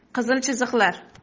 qizil chiziqlar